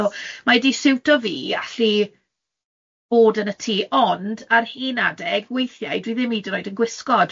so mae 'di siwtio fi i allu bod yn y tŷ, ond ar un adeg, weithiau dwi ddim hyd yn oed yn gwisgo,